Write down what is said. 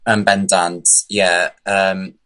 Yn bendant. Ie yym